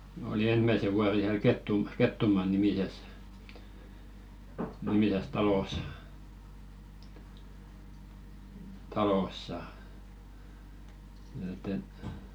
olin ensimmäisen vuoden siellä - Kettumaa-nimisessä nimisessä talossa talossa että että